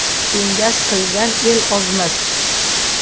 kengash qilgan el ozmas